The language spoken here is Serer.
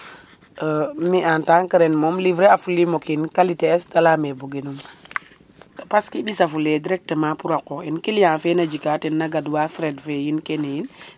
e% mi en tant que reine mom livrer a fulim qualiter es te leyame buginum parce que i mbisa fule directement pour a qox in client fe na jika ten na gad wa frais fe yin kene yi